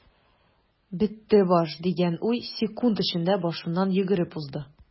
"бетте баш” дигән уй секунд эчендә башыннан йөгереп узды.